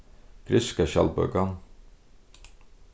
grikska skjaldbøkan